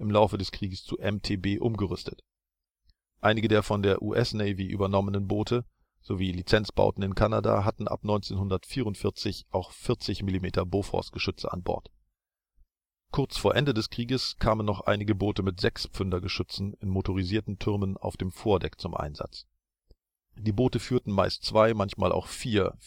Laufe des Krieges zu MTB umgerüstet. Einige der von der US-Navy übernommenen Boote, sowie Lizenzbauten in Kanada hatten ab 1944 auch 40-mm-Bofors-Geschütze an Bord. Kurz vor Ende des Krieges kamen noch einige Boote mit 6-Pfünder (5,7 cm) Geschützen in motorisierten Türmen auf dem Vordeck zum Einsatz. Die Boote führten meistens zwei, manchmal auch vier